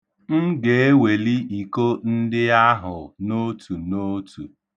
M ga-eweli iko ndị ahụ n'otu n'otu.